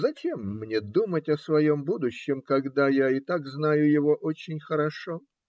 Зачем мне думать о своем будущем, когда я и так знаю его очень хорошо?